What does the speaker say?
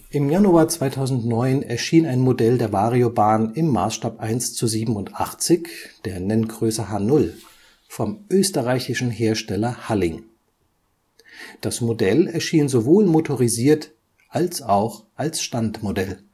Im Januar 2009 erschien ein Modell der Variobahn im Maßstab 1:87 (Nenngröße H0) vom österreichischen Hersteller Halling. Das Modell erschien sowohl motorisiert als auch als Standmodell